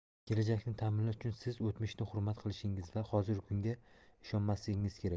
kelajakni ta'minlash uchun siz o'tmishni hurmat qilishingiz va hozirgi kunga ishonmasligingiz kerak